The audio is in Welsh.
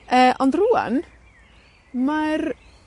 Yy, ond rŵan mae'r